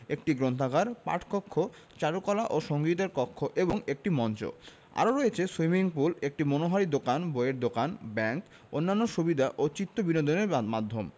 একটি গ্রন্থাগার পাঠকক্ষ চারুকলা ও সঙ্গীতের কক্ষ এবং একটি মঞ্চ আরও রয়েছে সুইমিং পুল একটি মনোহারী দোকান বইয়ের দোকান ব্যাংক অন্যান্য সুবিধা ও চিত্তবিনোদনের মাধ্যম